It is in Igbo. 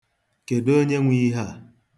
Kedụ onye nwe ihe a?